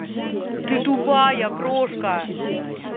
ты тупая крошка